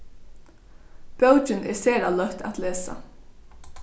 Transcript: bókin er sera løtt at lesa